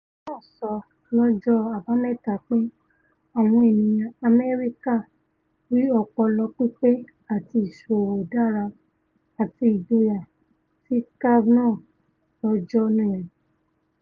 Ààrẹ náà sọ lọ́jọ́ Àbámẹ́ta pé ''Àwọn ènìyàn Amẹ́ríkà rí ọpọlọ pípé àti ìsọwọ́dára àti ìgboyà'' ti Kavanaugh lọ́jọ́ yẹn.